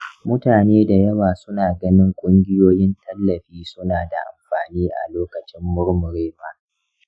mutane da yawa suna ganin ƙungiyoyin tallafi suna da amfani a lokacin murmurewa.